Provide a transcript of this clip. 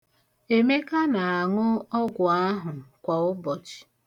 Emeka na-aṅụ ọgwụ ahụ kwa ụbọchị.